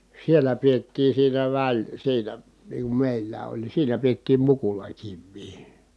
siellä pidettiin siinä - siinä niin kuin meillä oli niin siinä pidettiin mukulakiviä